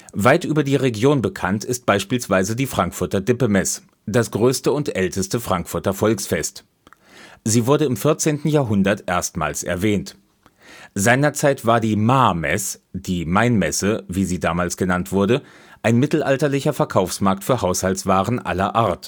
Weit über die Region bekannt ist beispielsweise die Frankfurter Dippemess, das größte und älteste Frankfurter Volksfest. Sie wurde im 14. Jahrhundert erstmals erwähnt. Seinerzeit war die Maamess („ Mainmesse “), wie sie damals genannt wurde, ein mittelalterlicher Verkaufsmarkt für Haushaltswaren aller Art.